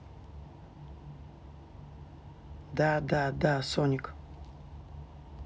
да да да соник